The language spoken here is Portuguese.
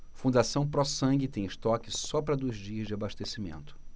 fundação pró sangue tem estoque só para dois dias de abastecimento